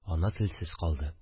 – ана телсез калды